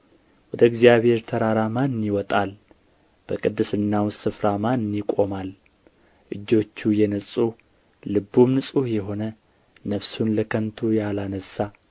ወደ እግዚአብሔር ተራራ ማን ይወጣል በቅድስናውስ ስፍራ ማን ይቆማል እጆቹ የነጹ ልቡም ንጹሕ የሆነ ነፍሱን ለከንቱ ያላነሣ